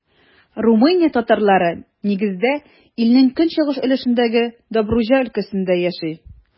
Румыния татарлары, нигездә, илнең көнчыгыш өлешендәге Добруҗа өлкәсендә яши.